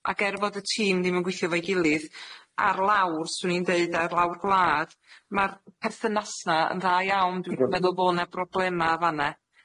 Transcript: Ac er fod y tîm ddim yn gweithio efo'i gilydd, ar lawr, swn i'n deud, ar lawr gwlad, ma'r perthynasa yn dda iawn. Dwi'm yn meddwl bo' 'na broblema'n fan 'ne.